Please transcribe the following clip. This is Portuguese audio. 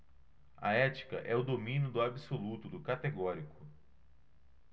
a ética é o domínio do absoluto do categórico